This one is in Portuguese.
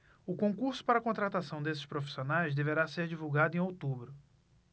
o concurso para contratação desses profissionais deverá ser divulgado em outubro